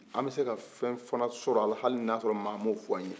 an bɛ se ka fɛn fana sɔrɔ a la hali n'a y'a sɔrɔ maa ma o fɔ anw ye